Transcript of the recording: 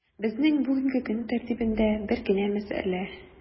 Безнең бүгенге көн тәртибендә бер генә мәсьәлә: